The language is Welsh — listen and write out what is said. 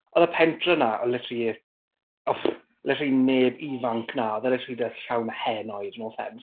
Oedd y pentre 'na, oedd literally literally neb ifanc 'na. Oedd e literally just llawn henoed, no offence.